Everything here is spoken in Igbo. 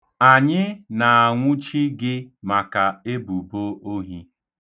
Anyị na-anwụchi gị maka ebubo ohi.